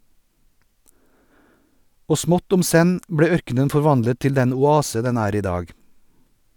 Og smått om senn ble ørkenen forvandlet til den oase den er i dag.